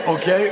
ok.